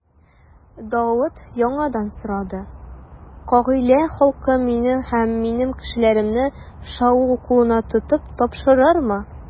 Давыт яңадан сорады: Кыгыйлә халкы мине һәм минем кешеләремне Шаул кулына тотып тапшырырмы?